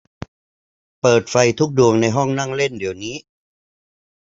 เปิดไฟทุกดวงในห้องนั่งเล่นเดี๋ยวนี้